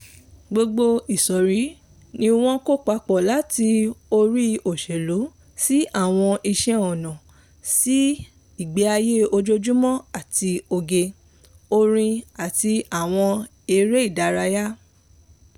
Gbogbo ìsọ̀rí ní wọ́n kó papọ̀ láti orí òṣèlú sí àwọn iṣẹ́ ọnà, sí ìgbáyé ojoojúmọ́ àti oge, orin àti àwọn eré ìdárayá.